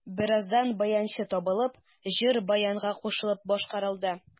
Бераздан баянчы табылып, җыр баянга кушылып башкарылды.